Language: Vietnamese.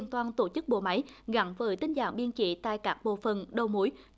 toàn tổ chức bộ máy gắn với tinh giản biên chế tại các bộ phận đầu mối